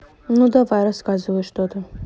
ну давай рассказывай что то